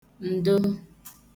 ǹdo